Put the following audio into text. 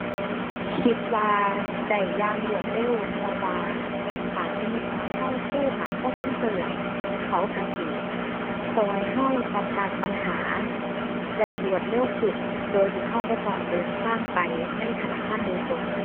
คิดว่าได้อย่างรวดเร็ว เพราะว่าถ้าสมมุติว่าเราโทรหา call center นี่เขาเราสิเราเราจัดการปัญหาได้รวดเร็วขึ้น โดยที่เราบ่ต้องเดินทางไปในธนาคารโดยตรง